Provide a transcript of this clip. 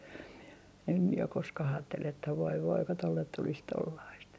en minä ole koskaan ajatellut että voi voi kun tuolle tulisi tuollaista